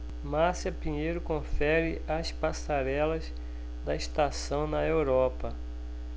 márcia pinheiro confere as passarelas da estação na europa